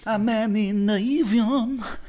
A menyn Eifion.